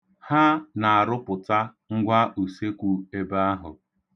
Ha na-arụpụta ngwa usekwu ebe ahụ.